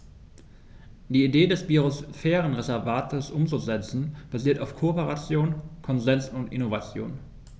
Die Idee des Biosphärenreservates umzusetzen, basiert auf Kooperation, Konsens und Innovation.